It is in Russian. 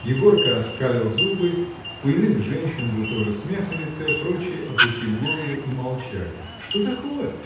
Егорка скалил зубы, у иных женщин был тоже смех на лице, прочие опустили головы и молчали. — Что такое?